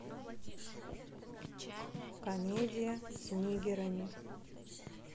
комедия с нигерами